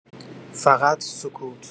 فقط سکوت.